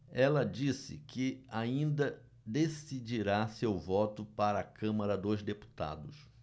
ela disse que ainda decidirá seu voto para a câmara dos deputados